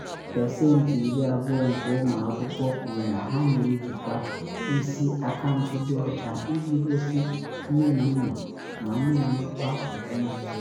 Pasentị iri abụọ nke ụmụ akwụkwọ kwuru na ha na ejikwa “isi” akaụntụ dị ọcha iji gosi nne na nna, ma na enwekwa nke nzuzo.